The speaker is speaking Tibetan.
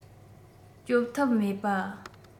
སྐྱོབ ཐབས མེད པ